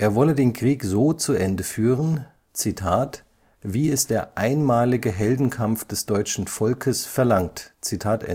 wolle den Krieg so zu Ende führen, „ wie es der einmalige Heldenkampf des deutschen Volkes verlangt. “Er